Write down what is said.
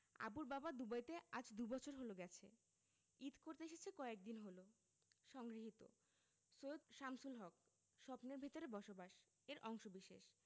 আবুর বাবা দুবাইতে আজ দুবছর হলো গেছে ঈদ করতে এসেছে কয়েকদিন হলো সংগৃহীত সৈয়দ শামসুল হক স্বপ্নের ভেতরে বসবাস এর অংশবিশেষ